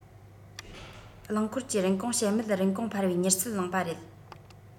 རླངས འཁོར གྱི རིན གོང དཔྱད མོལ རིན གོང འཕར བའི མྱུར ཚད གླེང པ རེད